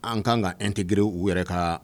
An kan ka an tɛgrriw yɛrɛ kan